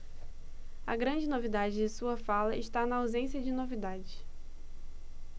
a grande novidade de sua fala está na ausência de novidades